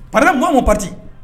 Par exemple, moi mon parti